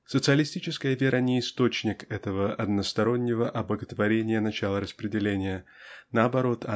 Социалистическая вера --не источник этого одностороннего обоготворения начала распределения наоборот